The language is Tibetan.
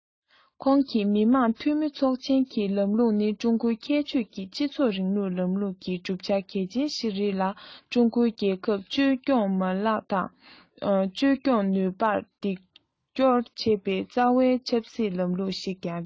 ཁོང གིས མི དམངས འཐུས མི ཚོགས ཆེན གྱི ལམ ལུགས ནི ཀྲུང གོའི ཁྱད ཆོས ཀྱི སྤྱི ཚོགས རིང ལུགས ལམ ལུགས ཀྱི གྲུབ ཆ གལ ཆེན ཞིག རེད ལ ཀྲུང གོའི རྒྱལ ཁབ བཅོས སྐྱོང མ ལག དང བཅོས སྐྱོང ནུས པར འདེགས སྐྱོར བྱེད པའི རྩ བའི ཆབ སྲིད ལམ ལུགས ཤིག ཀྱང རེད